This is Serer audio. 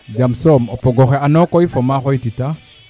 jem soom o pogoxe ano koy fo ma xooy tita